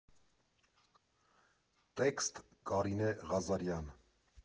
Տեսքտ՝ Կարինե Ղազարյան։